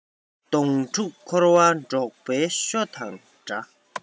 གདོང དྲུག འཁོར བ འབྲོག པའི ཤོ དང འདྲ